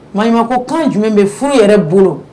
Maaɲumanko kan jumɛn bɛ furu yɛrɛ bolo